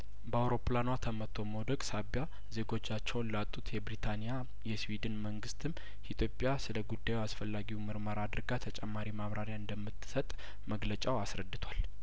በአውሮፕላኗ ተመትቶ መውደቅ ሳቢያ ዜጐቻቸውን ላጡት የብሪታኒያ የስዊድን መንግስትም ኢትዮጵያ ስለጉዳዩ አስፈላጊውን ምርመራ አድርጋ ተጨማሪ ማብራሪያ እንደምትሰጥ መግለጫው አስረድቷል